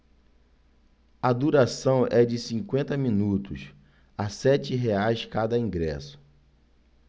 a duração é de cinquenta minutos a sete reais cada ingresso